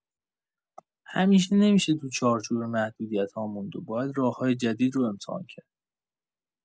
همیشه نمی‌شه تو چارچوب محدودیت‌ها موند و باید راه‌های جدید رو امتحان کرد.